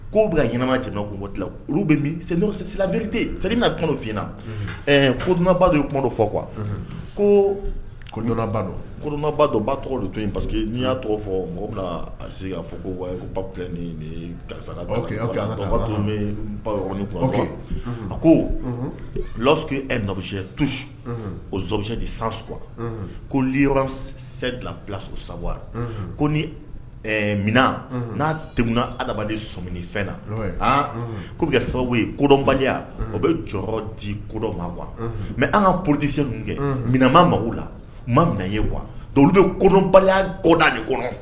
K'o bɛ ɲɛnama cɛ tun bɔ tila olu bɛbite sari kuma fina kodɔnbadɔ kumado fɔ qu ko kobabadɔ ba tɔgɔ to yen pa que'i y'a tɔgɔ fɔ mɔgɔw bɛna a fɔ ko wa ko karisasaɔrɔn a kos ɛ nasiya tusu oya de sans ko sɛ bilalaso sabawa ko ni minɛn n'a tɛm ala adama sɔmin fɛn na aa ko bɛ sababu ye kodɔnbaliya o bɛ jɔyɔrɔ di kodɔn ma kuwa mɛ an ka psise kɛ minɛnma mako la ma minɛn ye qu dɔw olu bɛ kodɔnbaliya koda de kɔnɔ